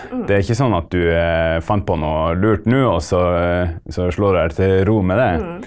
det er ikke sånn at du fant på noe lurt nå og så så slår du deg til ro med det.